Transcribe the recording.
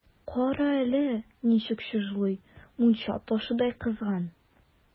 Кара әле, ничек чыжлый, мунча ташыдай кызган!